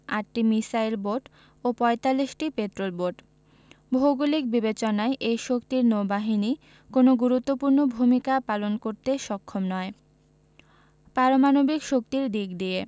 ৮টি missile boat ও ৪৫টি পেট্রল বোট ভৌগোলিক বিবেচনায় এই শক্তির নৌবাহিনী কোনো গুরুত্বপূর্ণ ভূমিকা পালন করতে সক্ষম নয় পারমাণবিক শক্তির দিক দিয়ে